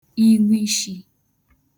iwuishī